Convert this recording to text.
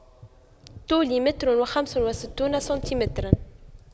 طولي متر وخمس وستون سنتيمترا